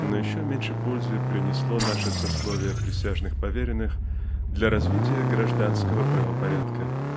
Но ещЁ меньше пользы принесло наше сословие присяжных поверенных для развития гражданского правопорядка.